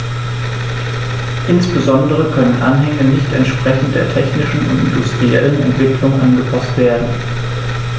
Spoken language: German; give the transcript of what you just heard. Insbesondere können Anhänge nicht entsprechend der technischen und industriellen Entwicklung angepaßt werden.